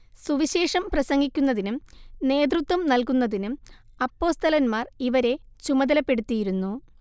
സുവിശേഷം പ്രസംഗിക്കുന്നതിനും നേതൃത്വം നല്കുന്നതിനും അപ്പോസ്തലൻമാർ ഇവരെ ചുമതലപ്പെടുത്തിയിരുന്നു